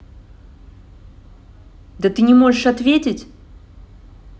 да ты не можешь ответить